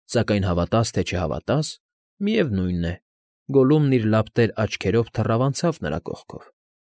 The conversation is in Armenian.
Սակայն, հավատաս թե չհավատաս, միևնույն է, Գոլլումն իր լապտեր֊աչքերով թռավ անցավ նրա կողքով։